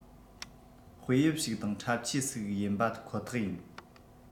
དཔེ དབྱིབས ཞིག དང འཁྲབ ཆས སིག ཡིན པ ཁོ ཐག ཡིན